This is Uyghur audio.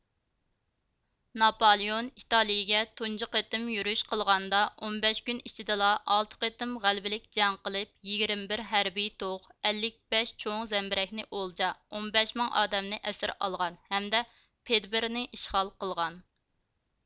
ناپالېئون ئىتالىيىگە تۇنجى قېتىم يۈرۈش قىلغاندا ئون بەش كۈن ئىچىدىلا ئالتە قېتىم غەلىبىلىك جەڭ قىلىپ يىگىرمە بىر ھەربىي تۇغ ئەللىك بەش چوڭ زەمبىرەكنى ئولجا ئون بەش مىڭ ئادەمنى ئەسىر ئالغان ھەمدە پىدمېرنى ئىشغال قىلغان